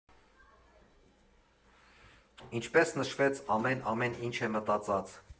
Ինչպես նշվեց՝ ամեն֊ամեն ինչ է մտածած։